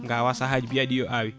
gawa sahaji mbiyaɗi ɗi yo awe